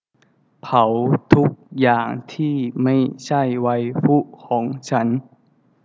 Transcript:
เผาทุกอย่างที่ไม่ใช่ไวฟุของฉัน